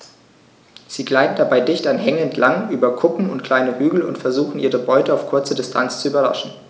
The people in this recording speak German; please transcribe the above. Sie gleiten dabei dicht an Hängen entlang, über Kuppen und kleine Hügel und versuchen ihre Beute auf kurze Distanz zu überraschen.